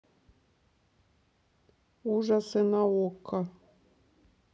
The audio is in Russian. ужасы на окко